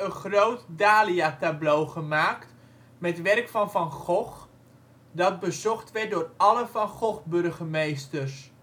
groot dahliatableau gemaakt met werk van Van Gogh dat bezocht werd door alle Van Goghburgemeesters